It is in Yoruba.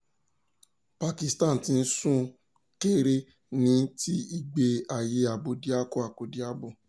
Pakistan ti ń sún kẹ́rẹ́ ní ti ìgbé ayé Abódiakọ-akọ́diabo.